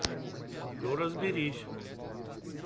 ну разберись